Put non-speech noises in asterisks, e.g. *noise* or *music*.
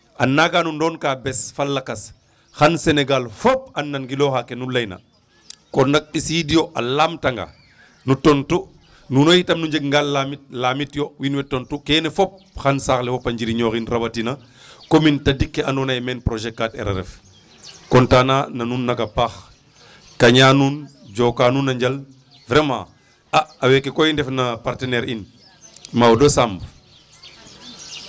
A nangan o doonka bes fa lakas xan sénégal fop a nangilooxa ke nu layna kon ɓisiidyo a laamtanga nu tontu ,nuuno itam nu njeganga laamit laamityo wiin we tontu kene fop xan saax le fop a njiriñooxin rawatina commune tadik ke andoona yee meen projet 4R a ref content na nuun na ka paax kañaa nuun jooka nuun a njal vraiment a weeke koy i ndefna partenaire in Maodo Samb. *noise*